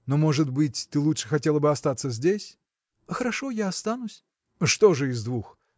– Но, может быть, ты лучше хотела бы остаться здесь? – Хорошо, я останусь. – Что же из двух?